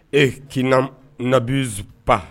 Ee kiina nabiiu pan